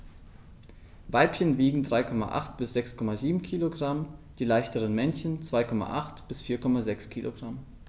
Weibchen wiegen 3,8 bis 6,7 kg, die leichteren Männchen 2,8 bis 4,6 kg.